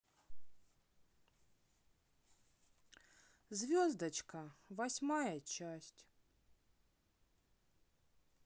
звездочка восьмая часть